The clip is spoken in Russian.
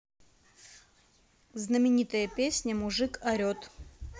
знаменитая песня мужик орет